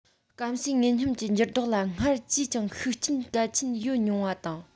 སྐམ སའི ངོས སྙོམས ཀྱི འགྱུར ལྡོག ལ སྔར ཅིས ཀྱང ཤུགས རྐྱེན གལ ཆེན ཡོད མྱོང བ དང